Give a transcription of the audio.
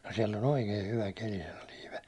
no siellä on oikein hyvä keli sanoi Liipe